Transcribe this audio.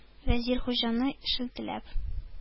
Вәзир, Хуҗаны шелтәләп: